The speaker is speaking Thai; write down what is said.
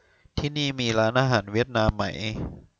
ที่นี่มีร้านอาหารเวียดนามไหม